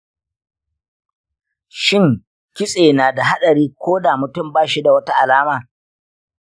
shin kitse na da haɗari ko da mutum ba shi da wata alama?